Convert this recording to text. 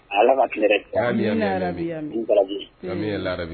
Ala ka tile